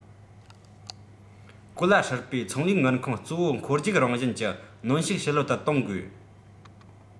གོ ལ ཧྲིལ པོའི ཚོང ལས དངུལ ཁང གཙོ བོ འཁོར རྒྱུག རང བཞིན གྱི གནོན ཤུགས ཞི ལྷོད དུ གཏོང དགོས